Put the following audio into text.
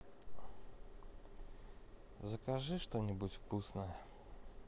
закажи что нибудь вкусное